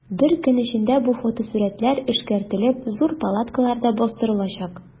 Бер көн эчендә бу фотосурәтләр эшкәртелеп, зур плакатларда бастырылачак.